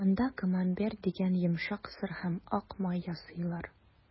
Монда «Камамбер» дигән йомшак сыр һәм ак май ясыйлар.